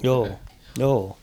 joo joo